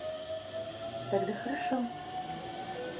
тогда хорошо